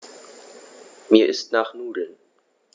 Mir ist nach Nudeln.